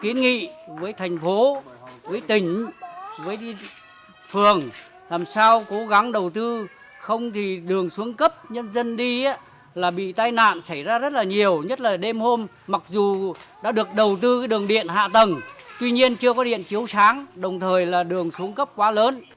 kiến nghị với thành phố núi tỉnh đi địa phường làm sao cố gắng đầu tư không vì đường xuống cấp nhân dân đi là bị tai nạn xảy ra rất là nhiều nhất là đêm hôm mặc dù đã được đầu tư đường điện hạ tầng tuy nhiên chưa phát hiện chiếu sáng đồng thời là đường xuống cấp quá lớn